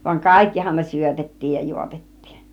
vaan kaikkihan ne syötettiin ja juotettiin